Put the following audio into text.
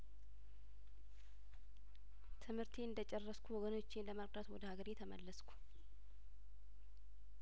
ትምህርቴን እንደጨረስኩ ወገኖቼን ለመርዳት ወደ ሀገሬ ተመለስኩ